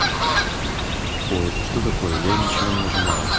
ой это что такое я ничего не нажимала